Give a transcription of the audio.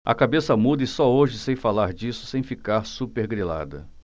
a cabeça muda e só hoje sei falar disso sem ficar supergrilada